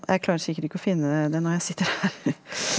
jeg klarer sikkert ikke finne det når jeg sitter her.